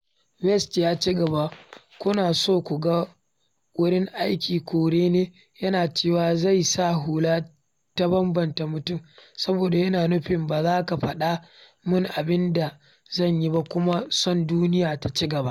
West ya ci gaba: Kuna so ku ga wurin aikin kore ne? yana cewa "zan sa hulata ta babban mutum, saboda yana nufin ba za ka faɗa mun abin da zan yi ba. Kuna son duniya ta ci gaba?